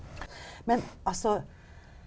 men altså.